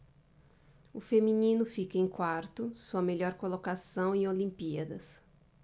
o feminino fica em quarto sua melhor colocação em olimpíadas